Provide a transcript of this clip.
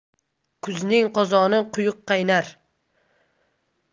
kuzning qozoni quyuq qaynar